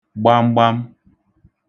gbamgbam